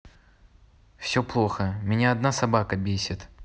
все плохо меня одна собака бесит